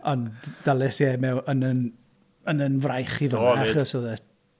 Ond dalais i e mew- yn y'n... yn y'n fraich yn fan'na... Do 'fyd?... Achos oedd y...